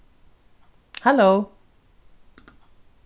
halló